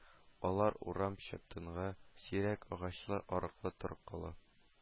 Алар урам чатындагы сирәк агачлы, аркылы-торкылы